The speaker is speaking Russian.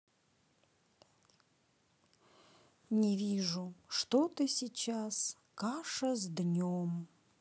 не вижу что ты сейчас каша с днем